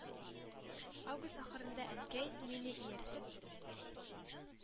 Август ахырында Әнкәй, мине ияртеп,